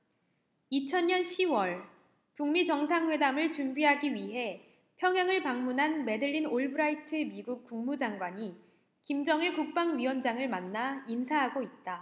이천 년 시 월 북 미 정상회담을 준비하기 위해 평양을 방문한 매들린 올브라이트 미국 국무장관이 김정일 국방위원장을 만나 인사하고 있다